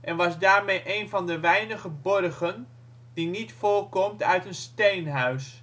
en was daarmee een van de weinige borgen die niet voorkomt uit een steenhuis